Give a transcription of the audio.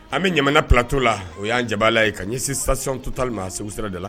An bɛ ɲa ptɔ la o y'an ja la ye ka ɲɛ si sasion tu tanli ma segu sira de la